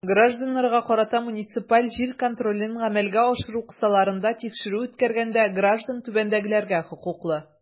Гражданнарга карата муниципаль җир контролен гамәлгә ашыру кысаларында тикшерү үткәргәндә граждан түбәндәгеләргә хокуклы.